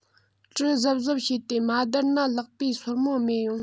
གྲི གཟབ གཟབ བྱས ཏེ མ བརྡར ན ལག པའི སོར མོ རྨས ཡོང